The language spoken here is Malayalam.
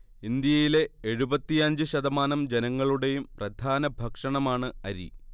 ഇന്ത്യയിലെ എഴുപത്തിയഞ്ച് ശതമാനം ജനങ്ങളുടേയും പ്രധാന ഭക്ഷണമാണ് അരി